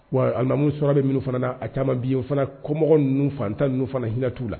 Wa a lammu sɔrɔ bɛ minnu fana na a caman bi o fana kɔmɔgɔw ninnuu fantan ninnu fana hinɛtuu la